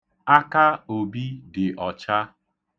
Aka Obi dị ọcha.